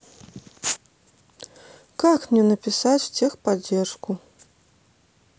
как мне написать в техподдержку